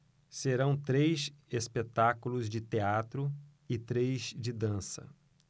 serão três espetáculos de teatro e três de dança